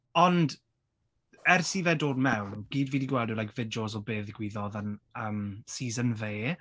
Ond ers i fe dod mewn gyd fi 'di gweld yw like fideos o be ddigwyddodd yn yym season fe.